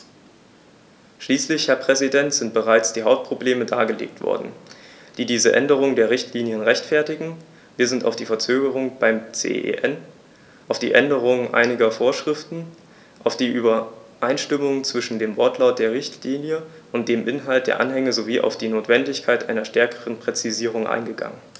Schließlich, Herr Präsident, sind bereits die Hauptprobleme dargelegt worden, die diese Änderung der Richtlinie rechtfertigen, wir sind auf die Verzögerung beim CEN, auf die Änderung einiger Vorschriften, auf die Übereinstimmung zwischen dem Wortlaut der Richtlinie und dem Inhalt der Anhänge sowie auf die Notwendigkeit einer stärkeren Präzisierung eingegangen.